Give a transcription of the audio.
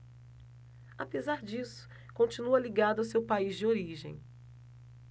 apesar disso continua ligado ao seu país de origem